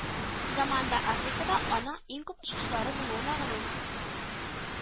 Заманында Африкада аның иң күп очкычлары булуы мәгълүм